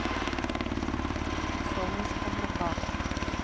солнышко в руках